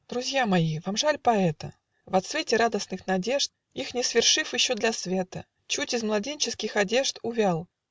Друзья мои, вам жаль поэта: Во цвете радостных надежд, Их не свершив еще для света, Чуть из младенческих одежд, Увял!